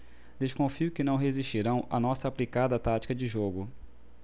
desconfio que não resistirão à nossa aplicada tática de jogo